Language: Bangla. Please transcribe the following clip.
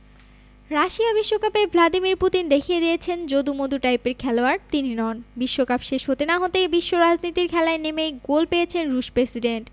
রাশিয়া বিশ্বকাপে ভ্লাদিমির পুতিন দেখিয়ে দিয়েছেন যদু মধু টাইপের খেলোয়াড় তিনি নন বিশ্বকাপ শেষে হতে না হতেই বিশ্ব রাজনীতির খেলায় নেমেই গোল পেয়েছেন রুশ প্রেসিডেন্ট